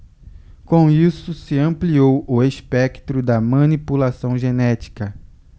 com isso se ampliou o espectro da manipulação genética